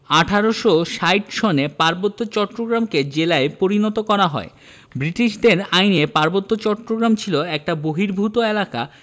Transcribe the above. ১৮৬০ সনে পার্বত্য চট্টগ্রামকে জেলায় পরিণত করা হয় বৃটিশদের আইনে পার্বত্য চট্টগ্রাম ছিল একটি বহির্ভূত এলাকা